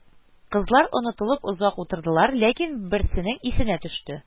Кызлар онытылып озак утырдылар, ләкин берсенең исенә төште: